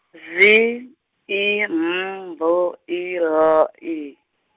Z, I, M, B, I, L, I.